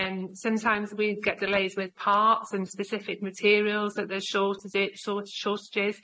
And sometimes we get delays with parts and specific materials that they're shorted i- short- shortages.